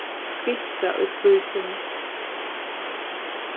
skinka í flísum